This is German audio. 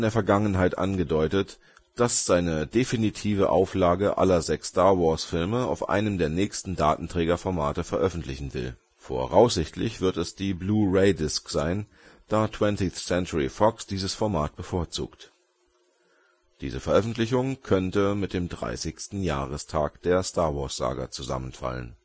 Vergangenheit angedeutet, dass seine definitive Auflage aller sechs Star-Wars-Filme auf einem der nächsten Datenträgerformate veröffentlichen will. Voraussichtlich wird es die „ Blu-ray Disc “sein, da 20th Century Fox dieses Format bevorzugt. Diese Veröffentlichung könnte mit dem 30. Jahrestag der Star Wars Saga zusammenfallen